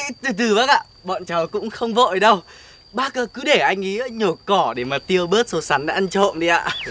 từ từ bác ạ bọn cháu cũng không vội đâu bác cứ để anh ý nhổ cỏ để mà tiêu bớt số sắn đã ăn trộm đi ạ